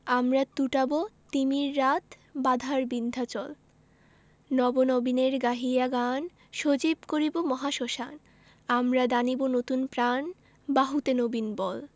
আমরা টুটাব তিমির রাত বাধার বিন্ধ্যাচল নব নবীনের গাহিয়া গান সজীব করিব মহাশ্মশান আমরা দানিব নতুন প্রাণ বাহুতে নবীন বল